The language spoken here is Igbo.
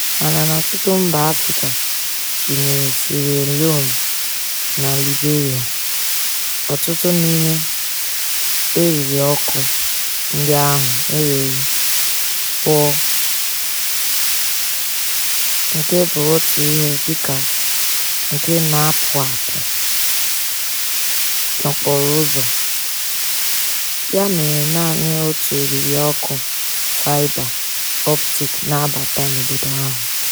Mana, n'ọtụtụ mba Afrịka - gụnyere Sierra Leone na Liberia - ọtụtụ n'ime eririọkụ ndị ahụ enweghị spọọ (nke bụ otu ihe dịka nke na-apụ apụ n'okporoụzọ), ya mere naanị otu eririọkụ faịba optik na-abata n'obodo ahụ.